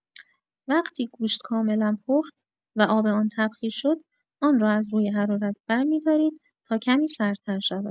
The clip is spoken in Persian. وقتی گوشت کاملا پخت و آب آن تبخیر شد، آن را از روی حرارت برمی‌دارید تا کمی سردتر شود.